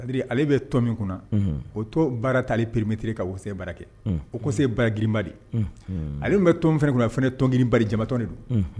Di ale bɛ to min kunna o to baara t' pererimetiriri kase baara kɛ o kose bara girinba ale bɛ tɔnon fana a ne tɔngirin jamatɔn de don